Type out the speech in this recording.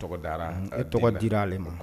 E tɔgɔ dira ale ma